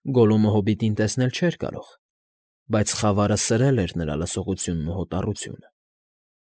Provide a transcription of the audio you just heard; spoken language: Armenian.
Գոլլումը հոբիտին տեսնել չէր կարող, բայց խավարը սրել էր նրա լսողությունն ու հոտառությունը։